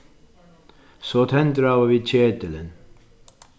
so tendraðu vit ketilin